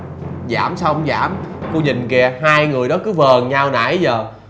giảm sao hông giảm cô nhìn kìa hai người đó cứ vờn nhau nãy giờ